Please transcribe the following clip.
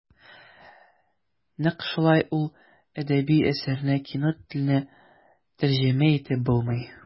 Нәкъ шулай ук әдәби әсәрне кино теленә тәрҗемә итеп булмый.